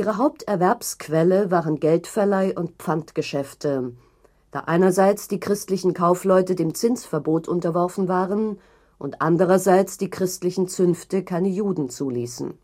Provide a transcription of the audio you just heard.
Haupterwerbsquelle waren Geldverleih und Pfandgeschäfte, da einerseits die christlichen Kaufleute dem Zinsverbot unterworfen waren und andererseits die christlichen Zünfte keine Juden zuließen